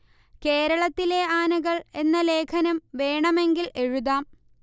കേരളത്തിലെ ആനകൾ എന്ന ലേഖനം വേണമെങ്കിൽ എഴുതാം